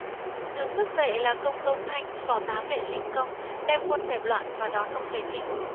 tướng nước vệ là công tôn thanh phò tá vệ linh công đem quân dẹp loạn và đón ông về kinh